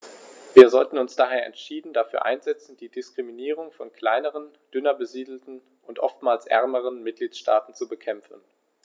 Wir sollten uns daher entschieden dafür einsetzen, die Diskriminierung von kleineren, dünner besiedelten und oftmals ärmeren Mitgliedstaaten zu bekämpfen.